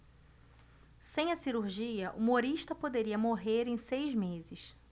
sem a cirurgia humorista poderia morrer em seis meses